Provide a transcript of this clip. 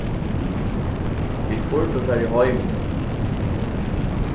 vit burdu farið heim nú